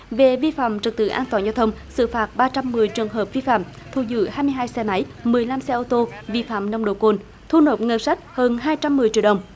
về vi phạm trật tự an toàn giao thông xử phạt ba trăm mười trường hợp vi phạm thu giữ hai mươi hai xe máy mười lăm xe ô tô vi phạm nồng độ cồn thu nộp ngân sách hơn hai trăm mười triệu đồng